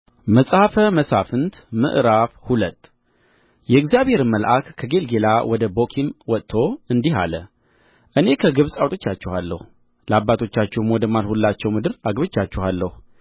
መጽሐፈ መሣፍንት ምዕራፍ ሁለት የእግዚአብሔርም መልአክ ከጌልገላ ወደ ቦኪም ወጥቶ እንዲህ አለ እኔ ከግብፅ አውጥቻችኋለሁ ለአባቶቻችሁም ወደ ማልሁላቸው ምድር አግብቻችኋለሁ